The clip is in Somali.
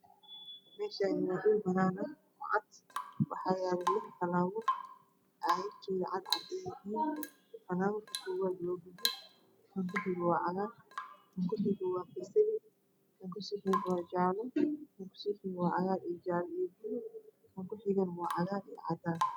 Meeshaan waa dhul banaan ah oo cad waxaa yaalo lix falaawar caagagoodu cadcad yahay falaawarka koowaad waa gaduud kan kuxegana waa cagaar kan kusiixego waa basali kan kusiixego waa jaalo kan kusiixego waa cagaar iyo jaalo kan kusiixego waa cagaar iyo cadaan.